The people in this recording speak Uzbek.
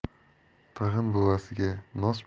tag'in buvasiga nos